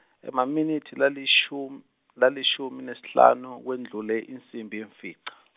Emaminitsi lalishum- lalishumi nesihlanu kwendlule insimbi yemfica.